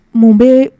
Mun bɛ